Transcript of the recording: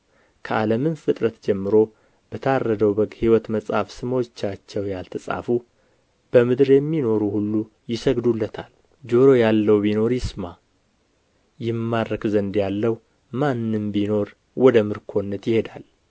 ከዓለምም ፍጥረት ጀምሮ በታረደው በግ ሕይወት መጽሐፍ ስሞቻቸው ያልተጻፉ በምድር የሚኖሩ ሁሉ ይሰግዱለታል ጆሮ ያለው ቢኖር ይስማ ይማረክ ዘንድ ያለው ማንም ቢኖር ወደ ምርኮነት ይሄዳል